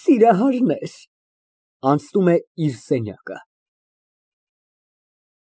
Սիրահարներ։ (Անցնում է իր սենյակը)։